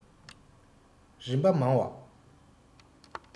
རིམ པ མང བ